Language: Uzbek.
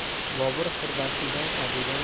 bobur firdavsiydan sadiydan